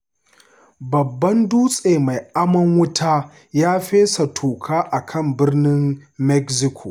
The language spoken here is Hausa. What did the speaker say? Babban dutse mai amon wuta ya fesa toka a kan Birnin Mexico